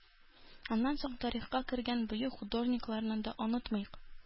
Аннан соң тарихка кергән бөек художникларны да онытмыйк.